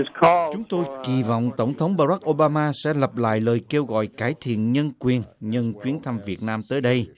chúng tôi kỳ vọng tổng thống ba rắc ô ba ma sẽ lặp lại lời kêu gọi cải thiện nhân quyền nhân chuyến thăm việt nam tới đây